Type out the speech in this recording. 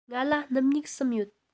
ང ལ སྣུམ སྨྱུག གསུམ ཡོད